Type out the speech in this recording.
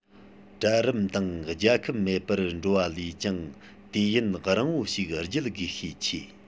གྲལ རིམ དང རྒྱལ ཁབ མེད པར འགྲོ བ ལས ཀྱང དུས ཡུན རིང པོ ཞིག བརྒྱུད དགོས ཤས ཆེ